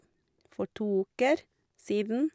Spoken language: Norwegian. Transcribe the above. For to uker siden.